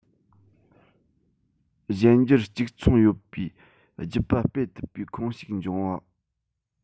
གཞན འགྱུར གཅིག མཚུངས ཡོད པའི རྒྱུད པ སྤེལ ཐུབ པའི ཁོངས ཞུགས འབྱུང བ